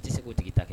A tɛ se k' tigi ta kɛ